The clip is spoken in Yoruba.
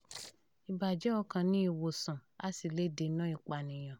Ìbàjẹ́ ọkàn ní ìwòsàn, a sì lè dènà ìpànìyàn.